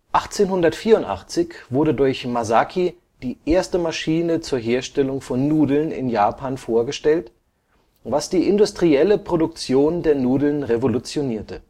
1884 wurde durch T. Masaki die erste Maschine zur Herstellung von Nudeln in Japan vorgestellt, was die industrielle Produktion der Nudeln revolutionierte